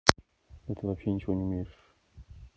да ты вообще ничего не умеешь